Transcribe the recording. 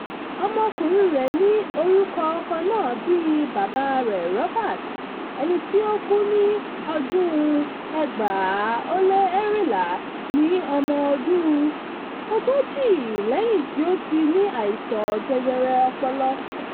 Ọmọkùnrin rẹ̀ ní orúkọ kannáà bíi bàbà rẹ̀ Robert, ẹnití ó kú ní 2011 ní ọmọ ọdún 40 lẹ́yìn tí ó ti ní àìsàn jẹjẹrẹ ọpọlọ.